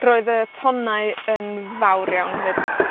Roedd y tonnau yn fawr iawn hefyd.